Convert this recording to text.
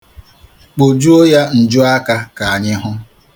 Kpojuo ya njuaka ka anyị hụ.